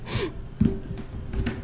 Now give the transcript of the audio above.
San